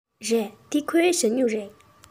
རེད འདི ཁོའི ཞ སྨྱུག རེད